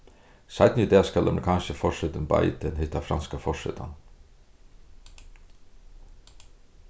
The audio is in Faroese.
seinni í dag skal amerikanski forsetin biden hitta franska forsetan